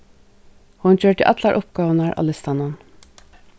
hon gjørdi allar uppgávurnar á listanum